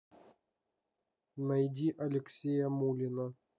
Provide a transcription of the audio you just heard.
найди алексея мулина